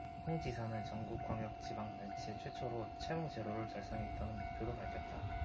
홍 지사는 전국 광역지방자치단체 최초로 채무 제로를 달성하겠다는 목표도 밝혔다